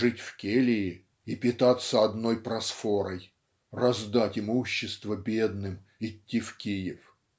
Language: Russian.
жить в келий и питаться одной просфорой раздать имущество бедным идти в Киев"